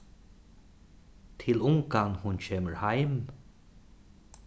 til ungan hon kemur heim